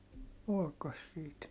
olikos siitä